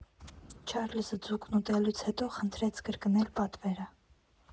Չարլզը ձուկն ուտելուց հետո խնդրեց կրկնել պատվերը։